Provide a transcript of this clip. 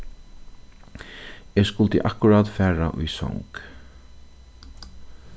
eg skuldi akkurát fara í song